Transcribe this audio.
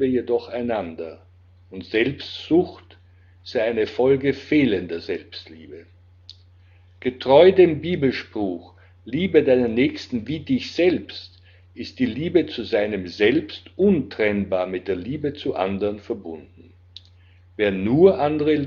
jedoch einander, und Selbstsucht sei eine Folge fehlender Selbstliebe. Getreu dem Bibelspruch " Liebe deinen Nächsten wie dich selbst " ist die Liebe zu seinem Selbst untrennbar mit der Liebe zu anderen verbunden. Wer nur andere